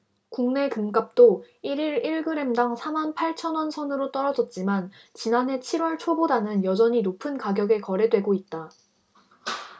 국내 금값도 일 일 일 그램당 사 만 팔천 원 선으로 떨어졌지만 지난해 칠 월 초보다는 여전히 높은 가격에 거래되고 있다